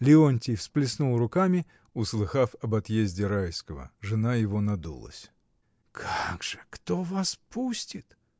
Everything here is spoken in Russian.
Леонтий всплеснул руками, услыхав об отъезде Райского; жена его надулась. — Как же, кто вас пустит?